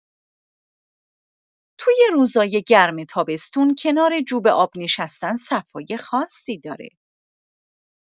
توی روزای گرم تابستون، کنار جوب آب نشستن صفای خاصی داره.